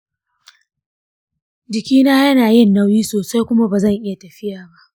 jikina yana yin nauyi sosai kuma ba zan iya tafiya ba.